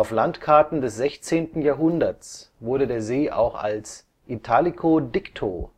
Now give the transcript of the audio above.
Landkarten des 16. Jahrhunderts wurde der See auch als Italico dicto